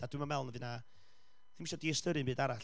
A dwi'm yn meddwl na fydd yna, ddim isio diystyrru ddim byd arall.